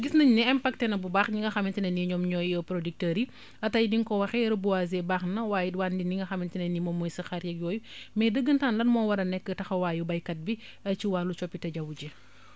gis nañ ne impacter na bu baax ñi nga xamante ne nii ñoom ñooy producteurs yi tay bi nga ko waxee reboiser baax na waaye it wàññi ni nga xamante ne ni mooy saxaar yeeg yooyu mais dëggantaan lan moo war a nekk taxawaayu baykat bi ci wàllu coppite jaww ji